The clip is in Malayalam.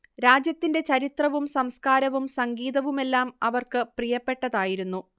രാജ്യത്തിന്റെ ചരിത്രവും സംസ്കാരവും സംഗീതവുമെല്ലാം അവർക്ക് പ്രിയപ്പെട്ടതായിരുന്നു